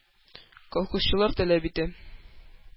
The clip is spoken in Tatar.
Колхозчылар таләп итә